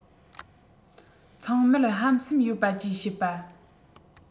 ཚང མལ ཧམ སེམས ཡོད པ ཅེས བཤད པ